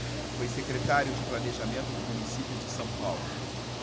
foi secretário de planejamento do município de são paulo